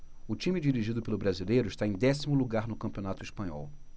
o time dirigido pelo brasileiro está em décimo lugar no campeonato espanhol